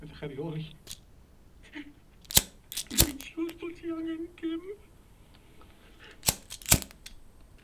Edrych ar 'i ôl 'i. Neud siŵr bot hi angen dim.